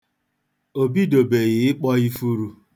O bidobeghi ịkpọ ifuru.